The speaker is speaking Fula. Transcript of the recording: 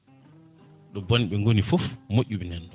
ɗo bonɓe goni foof moƴƴuɓe nanɗon